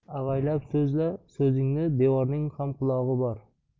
avaylab so'zla so'zingni devorning ham qulog'i bor